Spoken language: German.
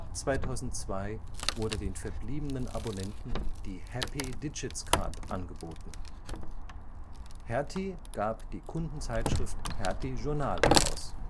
2002 wurde den verbliebenen Abonnenten die HappyDigitsCard angeboten. Hertie gab die Kunden-Zeitschrift Hertie Journal heraus